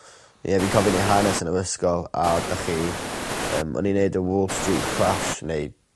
ie fi'n cofio neu' hanes yn yr ysgol a dach chi yym o'n i'n neud y Wall Street Crash neu